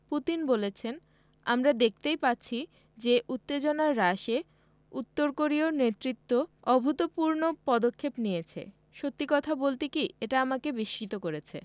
Putin বলেছেন আমরা দেখতেই পাচ্ছি যে উত্তেজনা হ্রাসে উত্তর কোরীয় নেতৃত্ব অভূতপূর্ণ পদক্ষেপ নিয়েছে সত্যি কথা বলতে কি এটা আমাকে বিস্মিত করেছে